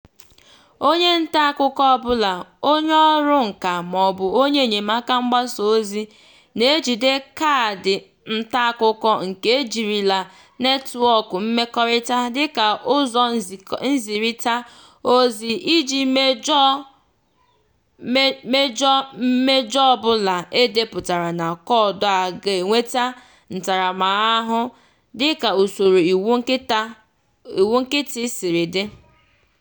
Onye ntaakụkọ ọbụla, onyeọrụ nkà maọbụ onye enyemaka mgbasaozi na-ejide kaadị ntaakụkọ nke jirila netwọk mmekọrịta dịka ụzọ nzirịta ozi iji mejọọ mmejọ ọbụla e depụtara na koodu a ga-enweta ntaramahụhụ dịka usoro iwu nkịtị siri dị.